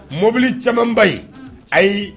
Mobili camanba in ayi